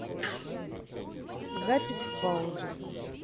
запись в паузу